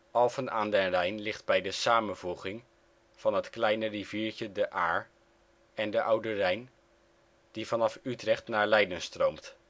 Alphen aan den Rijn ligt bij de samenvoeging van het kleine riviertje de Aar en de Oude Rijn, die vanaf Utrecht naar Leiden stroomt